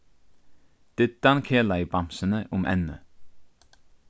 diddan kelaði bamsuni um ennið